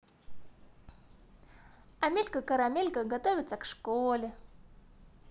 амелька карамелька готовился в школе